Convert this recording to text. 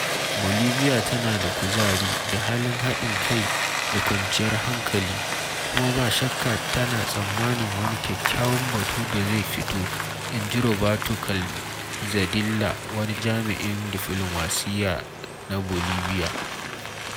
"Bolivia tana da kuzari, da halin haɗin kai da kwanciyar hankali, kuma ba shakka tana tsammanin wani kyakkyawan batu da zai fito,” inji Roberto Calzadilla, wani jami’in diflomasiyya na Bolivia.